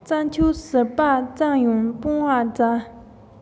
རྩྭ མཆོག ཟིལ པ ཙམ ཡང སྤང བར བྱ